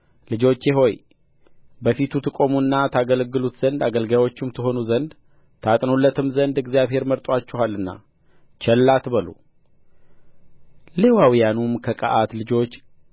ልጆቼ ሆይ በፊቱ ትቆሙና ታገለግሉት ዘንድ አገልጋዮቹም ትሆኑ ዘንድ ታጥኑለትም ዘንድ እግዚአብሔር መርጦአችኋልና ቸል አትበሉ ሌዋውያኑም ከቀዓት ልጆች